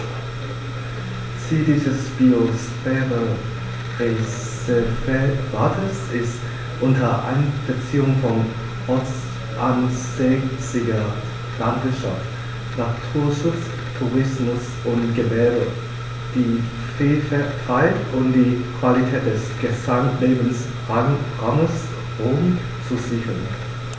Ziel dieses Biosphärenreservates ist, unter Einbeziehung von ortsansässiger Landwirtschaft, Naturschutz, Tourismus und Gewerbe die Vielfalt und die Qualität des Gesamtlebensraumes Rhön zu sichern.